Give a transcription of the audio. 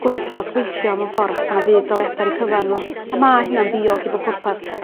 gwrthod gweithio mewn ffor' achos bo' 'na fudd daliada ar 'i cyfar n'w. A ma' hynna'n ddiog i bob pwrpas.